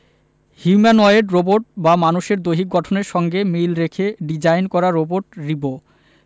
humanoid robot বা মানুষের দৈহিক গঠনের সঙ্গে মিল রেখে ডিজাইন করা রোবট রিবো